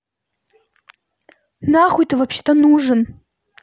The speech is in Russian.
нахуй ты вообще то нужен